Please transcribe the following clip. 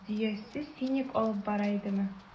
Дөясе финик алып бара идеме?